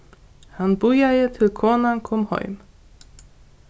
hann bíðaði til konan kom heim